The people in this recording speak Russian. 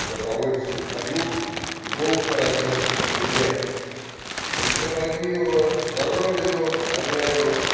Добровольцы поют, и гулко разносится припев: Так за Корнилова! За родину! За веру!